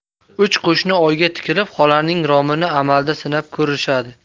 uch qo'shni oyga tikilib xolaning romini amalda sinab ko'rishadi